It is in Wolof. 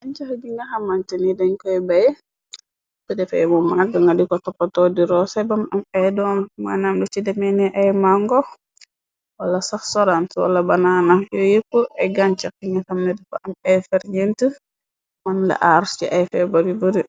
Gancax gi nga xamante ni dañ koy bay bëdefee bu màgg nga di ko toppatoo di roo say bam am ay doom mënamlu ci demeeni ay màngo wala sax sorance wala banana yoo yépp ay gancax yi nga tamna diko am ay ferjent mën la aarus ci ay feebar yu bari.